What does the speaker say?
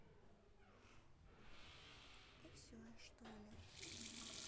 и все что ли